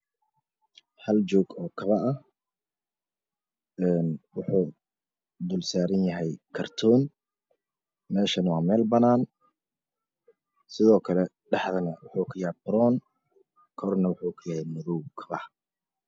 Haljoog oo kaba ah een wuxuu wuxuu dulsaanranyahy kartoon meeshana waa meel baanaan sidookale dhexda na wuxuu ka yahay baroon korna wuxuu kayahay madow kabaha